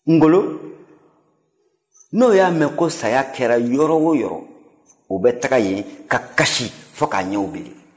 ngɔlɔ n'o y'a mɛn ko saya kɛra yɔrɔ o yɔrɔ o bɛ taga yen ka kasi fɔ k'a ɲɛw bilen